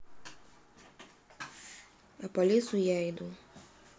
а по лесу я иду